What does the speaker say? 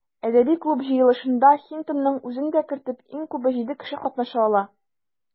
Әдәби клуб җыелышында, Хинтонның үзен дә кертеп, иң күбе җиде кеше катнаша ала.